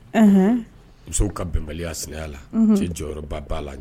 Musow ka bɛnbaliya sɛnɛya la cɛ jɔyɔrɔba b la